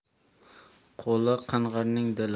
qo'li qing'irning dili qing'ir